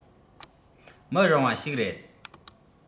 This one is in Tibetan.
མི རུང བ ཞིག རེད